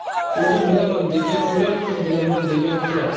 o'zim bilaman degan o'lar ko'p bilaman degan qular